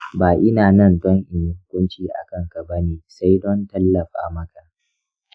ba ina nan don yin hukunci a kanka ba ne sai don tallafa maka.